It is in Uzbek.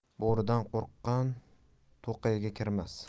bo'ridan qo'rqqan to'qayga kirmas